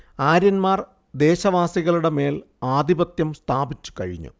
ആര്യന്മാർ ദേശവാസികളുടെമേൽ ആധിപത്യം സ്ഥാപിച്ചു കഴിഞ്ഞു